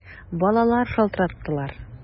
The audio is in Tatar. Балалар шалтыраттылар!